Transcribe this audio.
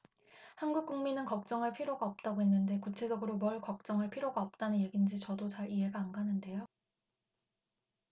한국 국민은 걱정할 필요가 없다고 했는데 구체적으로 뭘 걱정할 필요가 없다는 얘긴지 저도 잘 이해가 안 가는데요